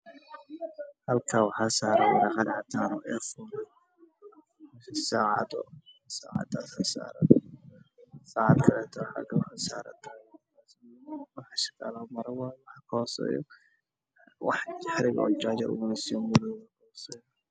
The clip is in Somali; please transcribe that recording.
Halkan waxa saaran saacad saacaddaas oo isna watch taallo meel bannaan ah